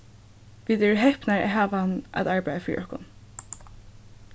vit eru hepnar at hava hann at arbeiða fyri okkum